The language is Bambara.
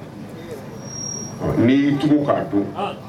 N'i y' tugu'a to